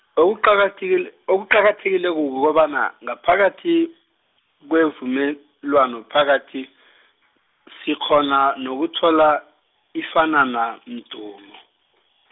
okuqakatheki- okuqakileko kukobana, ngaphakathi, kwevumelwano phakathi, sikghona nokuthola, ifanana mdumo.